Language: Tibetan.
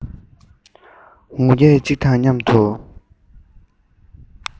ངུ སྐད གཅིག དང མཉམ དུ